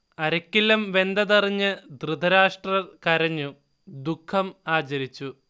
അരക്കില്ലം വെന്തതറിഞ്ഞ് ധൃതരാഷ്ട്രർ കരഞ്ഞു; ദുഃഖം ആചരിച്ചു